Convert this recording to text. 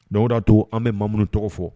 Donc o de y'a too an bɛ maa minnu tɔgɔ fɔ